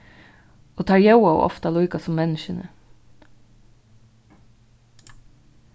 og teir ljóðaðu ofta líka sum menniskjuni